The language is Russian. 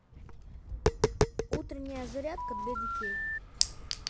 утренняя зарядка для детей